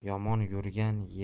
yomon yurgan yerida